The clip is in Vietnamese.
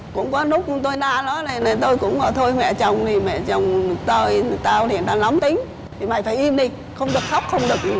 cũng có lúc tôi la nó là là tôi cũng vậy thôi mẹ chồng thì mẹ chồng tôi tao thì tao nóng tính thì mày phải im đi không được khóc không được cải